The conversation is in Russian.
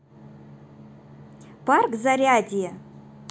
парк зарядье